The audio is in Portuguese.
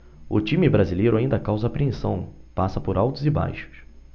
o time brasileiro ainda causa apreensão passa por altos e baixos